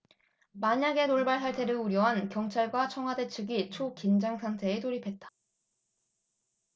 만약의 돌발 사태를 우려한 경찰과 청와대 측이 초긴장상태에 돌입했다